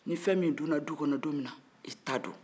ni fɛnmin dunna dukɔnɔ don minna i ta don